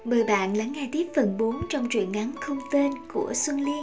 mời bạn lắng nghe tiếp phần trong truyện ngắn không tên của xuân liên